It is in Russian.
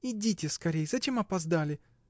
— Идите скорей — зачем опоздали?